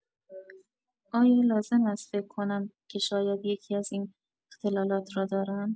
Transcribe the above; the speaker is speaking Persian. آیا لازم است فکر کنم که شاید یکی‌از این اختلالات را دارم؟